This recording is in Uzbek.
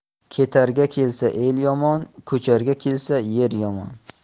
ketarga kelsa el yomon ko'charga kelsa yer yomon